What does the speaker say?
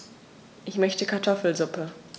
Ich möchte Kartoffelsuppe.